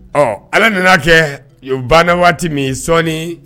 Ɔ allah nana'kɛ o bɛ banna waati min sɔɔni.